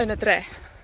yn y dre.